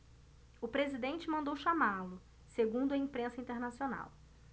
o presidente mandou chamá-lo segundo a imprensa internacional